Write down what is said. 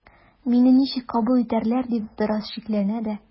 “мине ничек кабул итәрләр” дип бераз шикләнә дә.